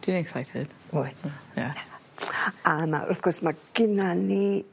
Dwi'n excited. Wyt. Yy ie. A ma' wrth gwrs ma' gynna ni...